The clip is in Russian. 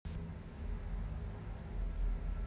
блядь я думал у тебя голос как у мужика